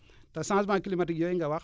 te changement climatique yooyu nga wax